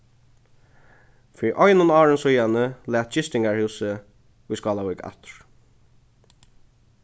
fyri einum ári síðani lat gistingarhúsið í skálavík aftur